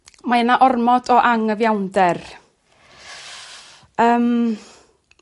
Mae 'na ormod o angyfiawnder. Yym.